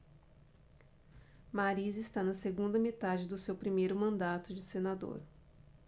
mariz está na segunda metade do seu primeiro mandato de senador